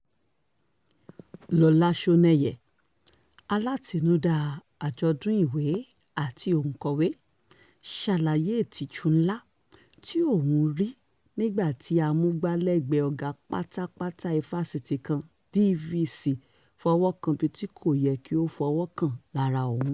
Lọlá Ṣónẹ́yìn, alátinúdáa àjọ̀dún ìwé àti òǹkọ̀wé, ṣàlàyé "ìtìjú ńlá" tí òhún rí nígbà tí amúgbálẹ́gbẹ̀ẹ́ ọ̀gá pátápátá ifásitì kan (DVC) fọwọ́ kan ibi tí kò yẹ kí ó fọwọ́ kàn lára òun: